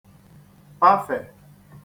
pafè